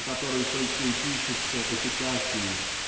на которой только и пишутся эпитафии.